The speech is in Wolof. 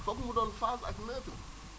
foog mu doon phase ak mètre